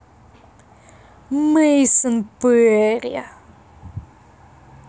мейсон перри